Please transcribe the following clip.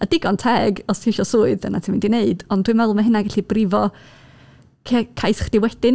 A digon teg, os ti isio swydd, dyna ti'n mynd i wneud ond dwi'n meddwl ma' hynna'n gallu brifo ca- cais chdi wedyn.